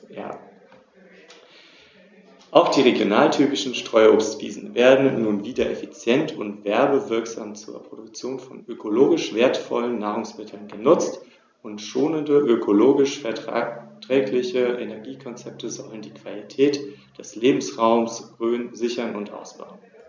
Langfristig sollen wieder jene Zustände erreicht werden, wie sie vor dem Eintreffen des Menschen vor rund 5000 Jahren überall geherrscht haben.